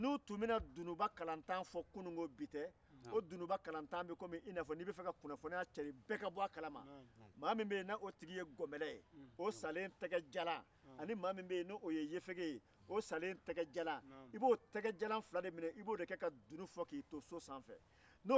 n'u tun bena dununba kalantan fɔ kunun u tun b'a fɔ ni gɔnbɛlɛ tɛgɛ ni yefege tɛgɛ ye ka kunnafoni carin